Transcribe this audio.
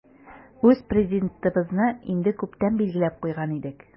Үз Президентыбызны инде күптән билгеләп куйган идек.